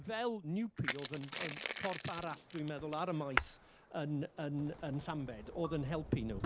Fel oedd yn yn corff arall, dwi'n meddwl, ar y maes yn yn yn Llanbed oedd yn helpu nhw.